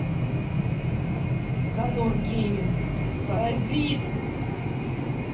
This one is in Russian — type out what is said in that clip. conor гейминг паразит